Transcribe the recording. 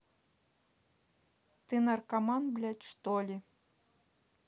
ты наркоман блять чтоли